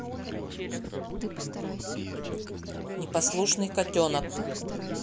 непослушный котенок